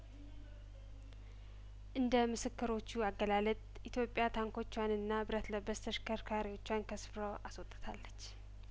እንደ ምስክሮቹ አገላለጥ ኢትዮጵያ ታንኮቿንና ብረት ለበስ ተሽከርካሪዎቿን ከስፍራው አስወጥታለች